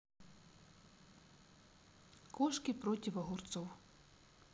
кошки против огурцов